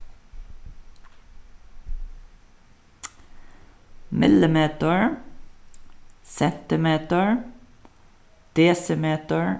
millimetur sentimetur desimetur